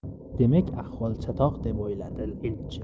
demak ahvol chatoq deb o'yladi elchin